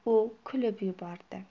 u kulib yubordi